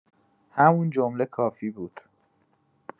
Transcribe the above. همون جمله کافی بود.